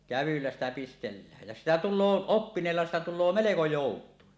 kävyllä sitä pistellään ja sitä tulee oppineella sitä tulee melko joutuin